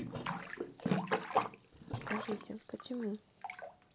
скажите почему